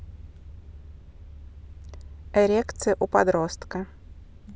эрекция у подростка